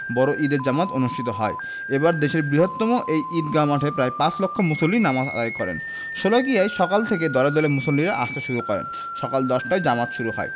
বড় ঈদের জামাত অনুষ্ঠিত হয় এবার দেশের বৃহত্তম এই ঈদগাহ মাঠে প্রায় পাঁচ লাখ মুসল্লি নামাজ আদায় করেন শোলাকিয়ায় সকাল থেকে দলে দলে মুসল্লিরা আসতে শুরু করেন সকাল ১০টায় জামাত শুরু হয়